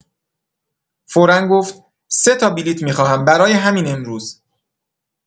فورا گفت: «سه‌تا بلیت می‌خواهم برای همین امروز.»